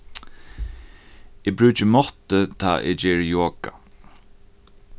eg brúki mottu tá eg geri joga